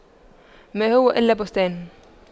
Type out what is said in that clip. ما هو إلا بستان